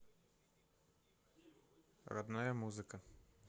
родная музыка